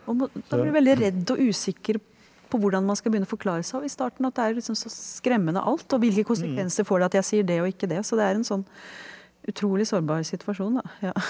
og man blir veldig redd og usikker på hvordan man skal begynne å forklare seg òg i starten at det er liksom så skremmende alt og hvilke konsekvenser får det at jeg sier det og ikke det, så det er en sånn utrolig sårbar situasjon da ja.